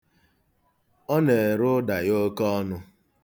Ọ na-ere ụda ya oke ọnụ.